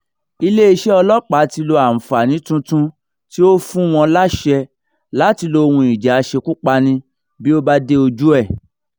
Iléeṣẹ́ ọlọ́pàá ti lo àǹfààní tuntun tí ó fún wọn láṣẹ láti lo ohun ìjà aṣekúpani bí ó bá dé ojú ẹ̀.